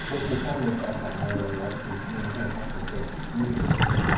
chwythu canwyll allan neu whatever cos ma'n hen ffasiwn yndy ma'n mynd i gysgu